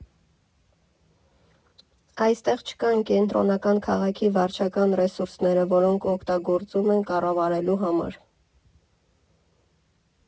Այստեղ չկան կենտրոնական քաղաքի վարչական ռեսուրները, որոնք օգտագործում են կառավարելու համար։